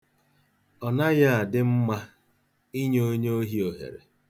Ọ naghị adị mma inye onye ohi ohere.